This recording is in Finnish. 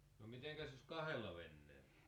no mitenkäs jos kahdella veneellä